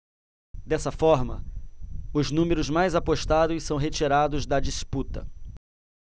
dessa forma os números mais apostados são retirados da disputa